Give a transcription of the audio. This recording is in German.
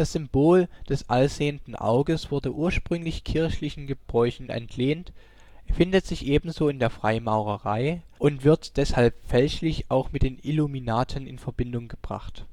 Symbol des Allsehenden Auges wurde ursprünglich kirchlichen Gebräuchen entlehnt, findet sich ebenso in der Freimaurerei und wird deshalb fälschlich auch mit den Illuminaten in Verbindung gebracht